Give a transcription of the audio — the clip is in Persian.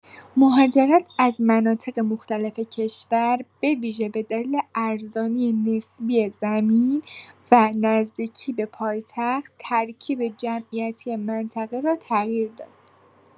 مهاجرت از مناطق مختلف کشور، به‌ویژه به دلیل ارزانی نسبی زمین و نزدیکی به پایتخت، ترکیب جمعیتی منطقه را تغییر داد.